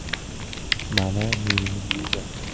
mana mening vizam